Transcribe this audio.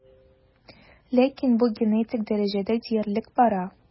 Ләкин бу генетик дәрәҗәдә диярлек бара.